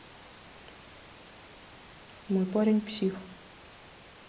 мой парень псих